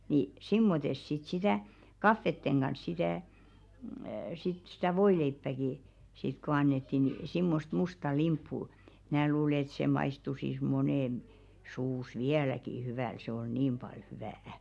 niin semmoista sitten sitä kahvien kanssa sitä sitten sitä voileipääkin sitten kun annettiin niin semmoista mustaa limppua minä luulen että se maistuisi monen suussa vieläkin hyvältä se oli niin paljon hyvää